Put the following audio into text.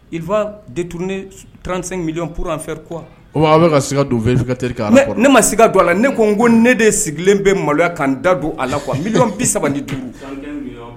Il va détourner 35.000.000 pour en faire quoi? kuma a bɛ ka siga don vérificateur ka rapport la wa? Ne ma siga don a la ne ko nko ne de sigilen bɛ maloya kan da don a la quoi 35.000.000.